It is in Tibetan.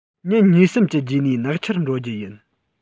ཉིན གཉིས གསུམ གྱི རྗེས ནས ནག ཆུར འགྲོ རྒྱུ ཡིན